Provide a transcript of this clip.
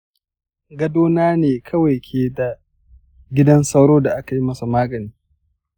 gado na ne kawai ke da gidan sauro da aka yi masa magani.